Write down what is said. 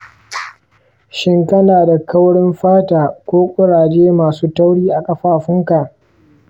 shin kana da kaurin fata ko kuraje masu tauri a ƙafafunka?